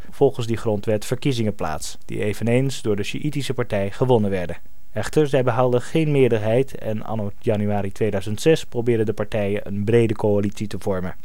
volgens die grondwet verkiezingen plaats, die eveneens door de sjiitische partij gewonnen werden. Echter, zij behaalden geen meerderheid en anno januari 2006 proberen de partijen een brede coalitie te vormen